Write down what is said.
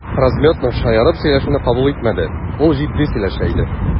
Размётнов шаяртып сөйләшүне кабул итмәде, ул җитди сөйләшә иде.